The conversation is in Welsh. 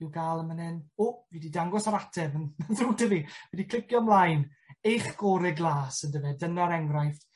i'w ga'l yn fan 'yn. Ww! Fi 'di dangos yr ateb. Ma'n ma'n ddrwg 'da fi. Fi 'di clicio ymlaen. Eich gore glas on'd yfe? Dyna'r enghraifft